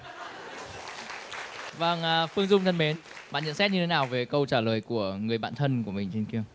vầng phương dung thân mến bạn nhận xét như thế nào về câu trả lời của người bạn thân của mình trên kia